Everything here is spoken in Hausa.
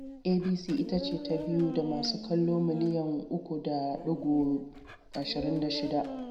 ABC ita ce ta biyu da masu kallo miliyan 3.26.